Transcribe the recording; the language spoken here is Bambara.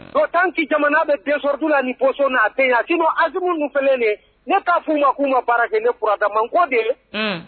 O tant que jamana bɛ desordre la nin posiion in na, a ɲan. sinon Asimu ninnu filɛ nin ye, ne t'a f'u ma n k'u ma baara kɛ, ne fura daman, n ko de, unhun